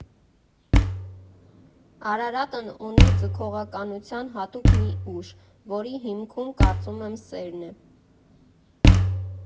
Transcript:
Արարատն ունի ձգողականության հատուկ մի ուժ, որի հիմքում, կարծում եմ, սերն է։